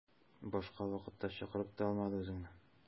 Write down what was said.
Башка вакытта чакырып та булмады үзеңне.